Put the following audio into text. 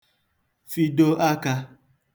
fịdo akā